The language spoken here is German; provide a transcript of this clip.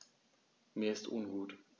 Mir ist ungut.